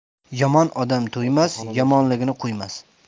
yomon odam to'ymas yomonligini qo'ymas